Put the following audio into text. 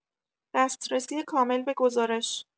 دسترسی کامل به گزارش